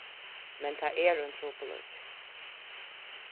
men tað er ein trupulleiki